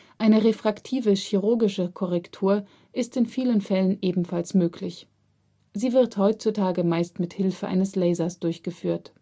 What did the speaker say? Eine refraktive chirurgische Korrektur ist in vielen Fällen ebenfalls möglich. Sie wird heutzutage meist mit Hilfe eines Lasers durchgeführt